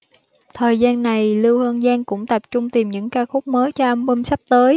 thời gian này lưu hương giang cũng tập trung tìm những ca khúc mới cho album sắp tới